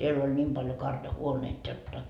siellä oli niin paljon karjahuoneita jotta